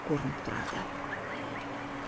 ko'rinib turardi